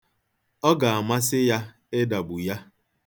Ọ ga-amasị ya ịdagbu ya.